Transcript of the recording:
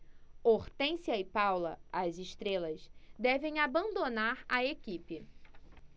hortência e paula as estrelas devem abandonar a equipe